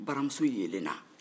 baramuso yeelela